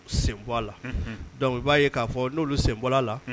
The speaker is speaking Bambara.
Senla dɔnku b'a ye k'a fɔ n'olu senbɔ la